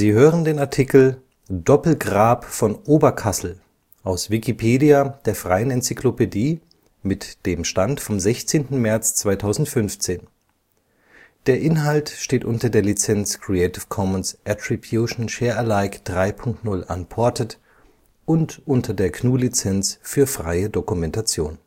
hören den Artikel Doppelgrab von Oberkassel, aus Wikipedia, der freien Enzyklopädie. Mit dem Stand vom Der Inhalt steht unter der Lizenz Creative Commons Attribution Share Alike 3 Punkt 0 Unported und unter der GNU Lizenz für freie Dokumentation